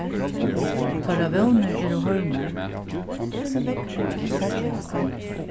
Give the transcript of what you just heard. teirra vónir eru horvnar